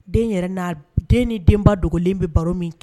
Den yɛrɛ n den ni denba dogolen bɛ baro min kɛ